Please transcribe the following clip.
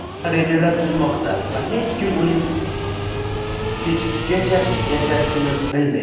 hamma rejalar tuzmoqda va hech kim uning kechgacha yashashini bilmaydi